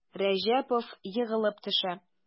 Рәҗәпов егылып төшә.